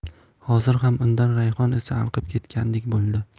hozir ham undan rayhon isi anqib ketgandek bo'ldi